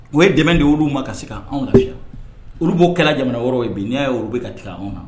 U ye dɛmɛ de ye olu ma ka se kanw lafiya . Olu bo kɛra jamana yɛrɛw ye bi ni ya ye olu bɛ ka tigɛ anw na.